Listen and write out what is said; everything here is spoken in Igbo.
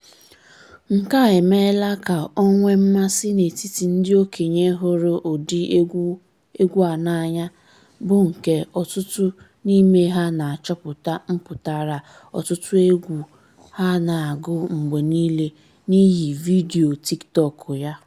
Nke a emeela ka o nwee mmasị n'etiti ndị okenye hụrụ ụdị egwu a n'anya, bụ nke ọtụtụ n'ime ha na-achọpụta mpụtara ọtụtụ egwu ha na-agụ mgbe niile n'ịhị vidiyo TikTok ya.